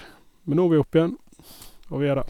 Men nå er vi oppe igjen, og vi er der.